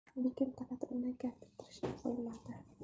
lekin talat uni gapirtirishga qo'ymadi